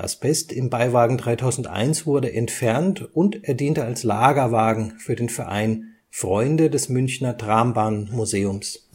Asbest im Beiwagen 3001 wurde entfernt und er diente als Lagerwagen für den Verein Freunde des Münchner Trambahnmuseums.